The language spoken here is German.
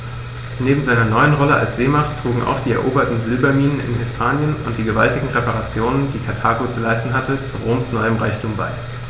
Neben seiner neuen Rolle als Seemacht trugen auch die eroberten Silberminen in Hispanien und die gewaltigen Reparationen, die Karthago zu leisten hatte, zu Roms neuem Reichtum bei.